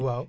waaw